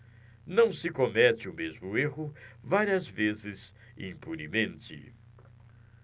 não se comete o mesmo erro várias vezes impunemente